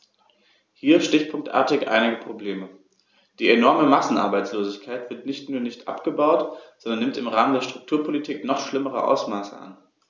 Hier stichpunktartig einige Probleme: Die enorme Massenarbeitslosigkeit wird nicht nur nicht abgebaut, sondern nimmt im Rahmen der Strukturpolitik noch schlimmere Ausmaße an.